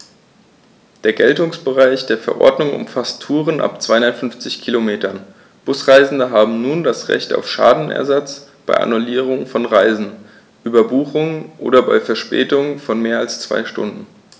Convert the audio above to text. Der Geltungsbereich der Verordnung umfasst Touren ab 250 Kilometern, Busreisende haben nun ein Recht auf Schadensersatz bei Annullierung von Reisen, Überbuchung oder bei Verspätung von mehr als zwei Stunden.